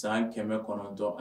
San kɛmɛ kɔnɔntɔn